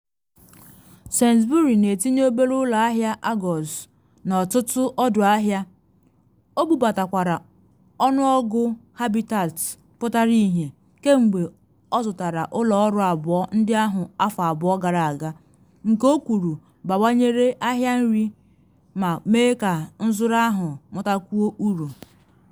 Sainsbury na etinye obere ụlọ ahịa Argos n’ọtụtụ ọdụ ahịa, o bubatakwara ọnụọgụ Habitats pụtara ihie kemgbe ọ zụtara ụlọ ọrụ abụọ ndị ahụ afọ abụọ gara aga, nke o kwuru bawanyere ahịa nri ma mee ka nzụrụ ahụ mụtakwuo uru.